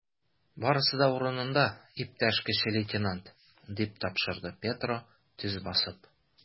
Барысы да урынында, иптәш кече лейтенант, - дип тапшырды Петро, төз басып.